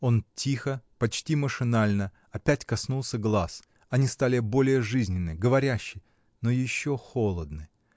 Он тихо, почти машинально, опять коснулся глаз: они стали более жизненны, говорящи, но еще холодны.